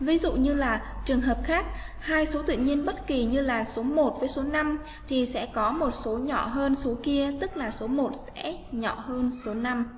ví dụ như là trường hợp khác số tự nhiên bất kì như là số với số thì sẽ có một số nhỏ hơn số kia tức là số sẽ nhỏ hơn số